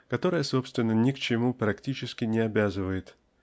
которое собственно ни к чему практически не обязывает